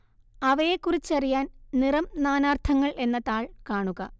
അവയെക്കുറിച്ചറിയാൻ നിറം നാനാർത്ഥങ്ങൾ എന്ന താൾ കാണുക